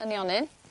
y nionyn